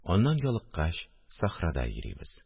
Аннан ялыккач, сахрада йөрибез